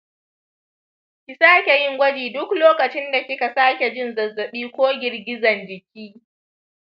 kisake yin gwaji duk lokacin da kika sake jin zazzabi ko girgizan jiki.